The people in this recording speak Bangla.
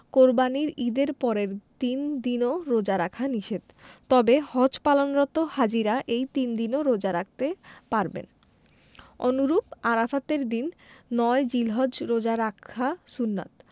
কোরবানির ঈদের পরের তিন দিনও রোজা রাখা নিষেধ তবে হজ পালনরত হাজিরা এই তিন দিনও রোজা রাখতে পারবেন অনুরূপ আরাফাতের দিন ৯ জিলহজ রোজা রাখা সুন্নাত